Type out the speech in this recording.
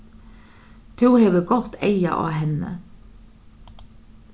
tú hevur gott eyga á henni